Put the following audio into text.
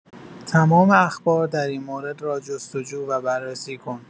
تمام اخبار در این مورد را جست‌وجو و بررسی کن.